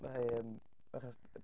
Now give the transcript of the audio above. Mae e'n achos...